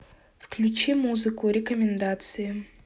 включи музыку рекомендации